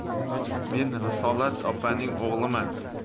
men risolat opaning o'g'liman